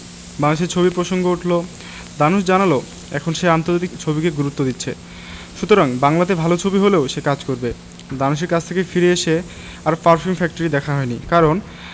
বাংলাদেশের ছবির প্রসঙ্গ উঠলো দানুশ জানালো এখন সে আন্তর্জাতিক ছবিকে গুরুত্ব দিচ্ছে সুতরাং বাংলাতে ভালো ছবি হলেও সে কাজ করবে দানুশের কাছে থেকে ফিরে এসে আর পারফিউম ফ্যাক্টরি দেখা হয়নি কারণ